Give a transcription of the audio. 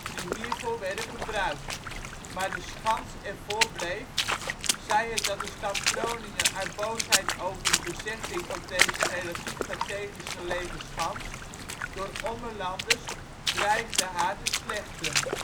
die hiervoor werden gebruikt), maar de schans ervoor bleef, zij het dat de stad Groningen uit boosheid over de bezetting van deze relatief strategisch gelegen schans door ' Ommelanders ' dreigde haar te slechten